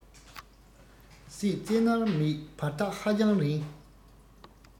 སྲིད རྩེ མནར མེད བར ཐག ཧ ཅང རིང